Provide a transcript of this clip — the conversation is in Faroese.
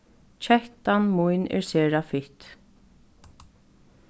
kettan mín er sera fitt